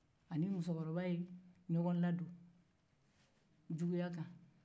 a ni musokɔrɔba ye ɲɔgɔn ladon juguya kan